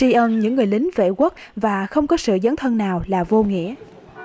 tri ân những người lính vệ quốc và không có sự dấn thân nào là vô nghĩa